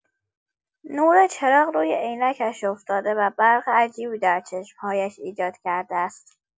نور چراغ روی عینکش افتاده و برق عجیبی در چشم‌هایش ایجاد کرده است.